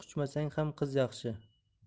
quchmasang ham qiz yaxshi